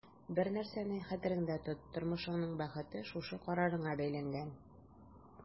Бер нәрсәне хәтерендә тот: тормышыңның бәхете шушы карарыңа бәйләнгән.